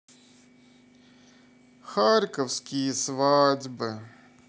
харьковские свадьбы